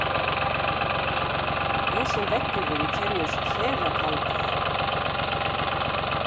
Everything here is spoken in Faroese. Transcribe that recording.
hesin veggurin kennist sera kaldur